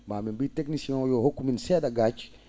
ma min mbi technicien o yo hokku min see?a gaac